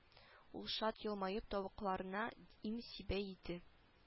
Ул шат елмаеп тавыкларына им сибә иде